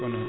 ko non